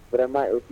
Fanama o